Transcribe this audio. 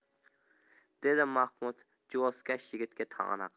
dedi mahmud juvozkash yigitga tana qilib